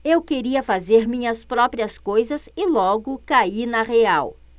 eu queria fazer minhas próprias coisas e logo caí na real